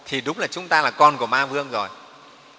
thì đúng là chúng ta là con của ma vương rồi